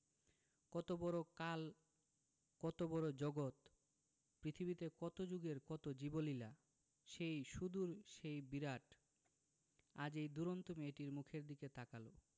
কত বড় কাল কত বড় জগত পৃথিবীতে কত জুগের কত জীবলীলা সেই সুদূর সেই বিরাট আজ এই দুরন্ত মেয়েটির মুখের দিকে তাকাল